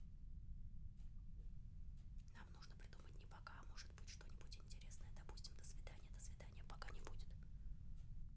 нам нужно придумать не пока а может быть что нибудь интересное допустим до свидания до свидания пока не будет